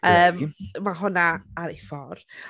Yym, ma' hwnna ar ei ffordd.